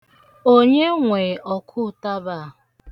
Onye nwe ọkụụtaba a?